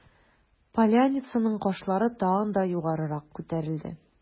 Поляницаның кашлары тагы да югарырак күтәрелде.